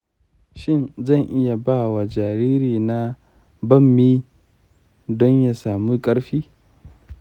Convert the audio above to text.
shin zan iya ba wa jaririna bammi don ya samu ƙarfi?